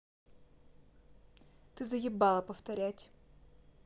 ты заебала повторять